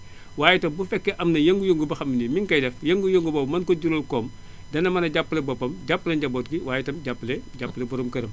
waaye itam bu fekkee am na yëngu-yëngu boo xam ne mi ngi koy def yëngu-yëngu boobu mën ko jural koom dana mën a jàppale boppam jàppale njaboot gi waaye itam jàppale jàppale borom këram